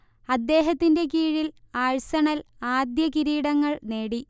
അദ്ദേഹത്തിന്റെ കീഴിൽ ആഴ്സണൽ ആദ്യ കിരീടങ്ങൾ നേടി